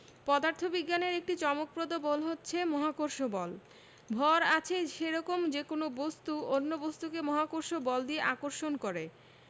পদার্থবিজ্ঞানের একটি চমকপ্রদ বল হচ্ছে মহাকর্ষ বল ভর আছে সেরকম যেকোনো বস্তু অন্য বস্তুকে মহাকর্ষ বল দিয়ে আকর্ষণ করে